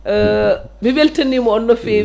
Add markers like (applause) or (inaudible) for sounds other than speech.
(hesitation) mi weltanima on no fewi